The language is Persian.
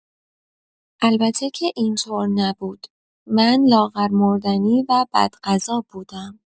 البته که اینطور نبود، من لاغرمردنی و بدغذا بودم.